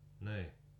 niin